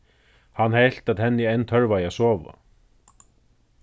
hann helt at henni enn tørvaði at sova